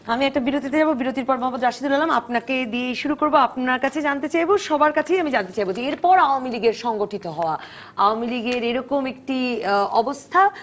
আমি একটা বিরতিতে যাব বিরতির পর মোহাম্মদ রাশিদুল আলম আপনাকে দিয়েই শুরু করবো আপনার কাছে জানতে চাইবো সবার কাছে আমি জানতে চাইব যে এরপর আওয়ামী লীগের সংগঠিত হওয়া আওয়ামী লীগের এরকম একটি অবস্থা